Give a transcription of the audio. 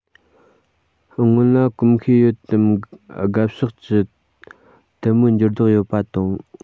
སྔོན ལ གོམས གཤིས ཡོད དམ དགའ ཕྱོགས ཀྱི དལ མོའི འགྱུར ལྡོག ཡོད པ དང